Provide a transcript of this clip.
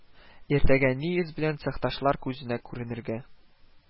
Иртәгә ни йөз белән цехташлар күзенә күренергә